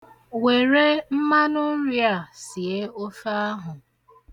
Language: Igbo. Were mmanụnri a sie ofe ahụ.